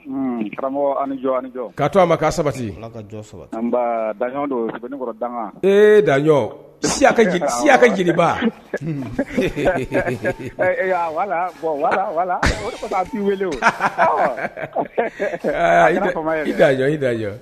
A to a ma' sabati da jeliba i i' i jɔ